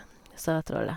, sa trollet.